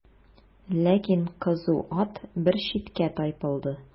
Ләкин кызу ат бер читкә тайпылды.